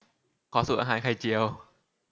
ขอสูตรอาหารไข่เจียว